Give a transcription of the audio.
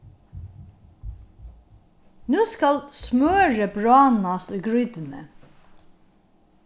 nú skal smørið bráðnast í grýtuni